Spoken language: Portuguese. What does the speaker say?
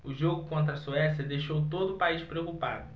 o jogo contra a suécia deixou todo o país preocupado